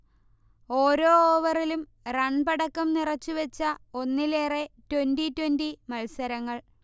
ഓരോ ഓവറിലും റൺപടക്കം നിറച്ചു വച്ച ഒന്നിലേറെ ട്വന്റി ട്വന്റി മൽസരങ്ങൾ